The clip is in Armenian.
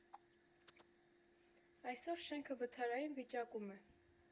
Այսօր շենքը վթարային վիճակում է։